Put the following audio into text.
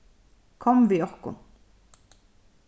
kom við okkum